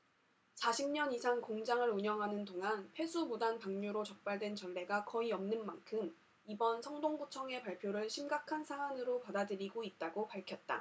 사십 년 이상 공장을 운영하는 동안 폐수 무단 방류로 적발된 전례가 거의 없는 만큼 이번 성동구청의 발표를 심각한 사안으로 받아들이고 있다고 밝혔다